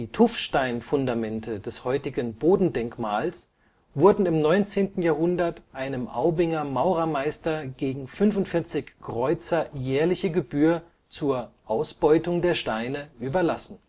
Tuffstein-Fundamente des heutigen Bodendenkmals wurden im 19. Jahrhundert einem Aubinger Maurermeister gegen 45 Kreuzer jährliche Gebühr zur „ Ausbeutung der Steine “überlassen